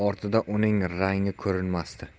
ortida uning rangi ko'rinmasdi